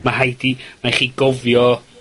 Mae rhaid i, ma' rhai' chi gofio